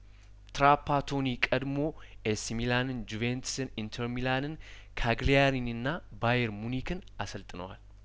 ትራፓቶኒ ቀድሞ ኤሲ ሚላንን ጁቬንትስን ኢንተር ሚላንን ካግሊያሪንና ባየር ሙኒክን አሰልጥነዋል